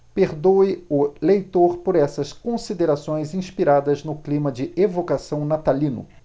perdoe o leitor por essas considerações inspiradas no clima de evocação natalino